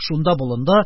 Шунда, болында,